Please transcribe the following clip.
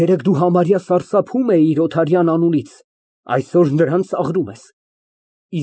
Երեկ դու համարյա սարսափում էիր Օթարյան անունից, այսօր ծաղրում ես նրան։